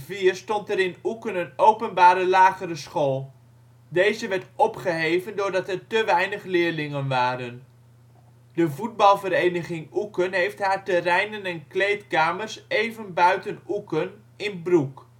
2004 stond er in Oeken een openbare lagere school; deze werd opgeheven doordat er te weinig leerlingen waren. De voetbalvereniging Oeken heeft haar terreinen en kleedkamers even buiten Oeken, in Broek